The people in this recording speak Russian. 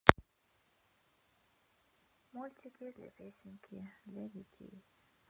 мультики для песенки для детей